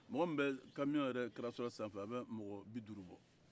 mɔgɔ min bɛ kamiyon yɛrɛ karasɔrɔ kɔfɛ a mɔgɔ bi duru bɔ